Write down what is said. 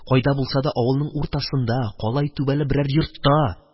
Кайда булса да авылның уртасында, калай түбәле берәр йортта.